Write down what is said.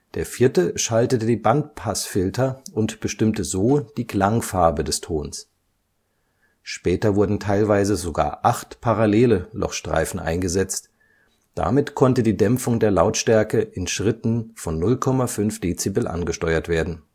der vierte schaltete die Bandpassfilter und bestimmte so die Klangfarbe des Tons. Später wurden teilweise sogar acht parallele Lochstreifen eingesetzt, damit konnte die Dämpfung der Lautstärke in Schritten von 0,5 dB angesteuert werden